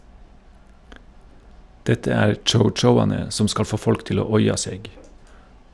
Dette er chow-chowane som skal få folk til å oia seg.